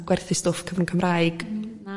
gwerthu stwff cyfrwng Cymraeg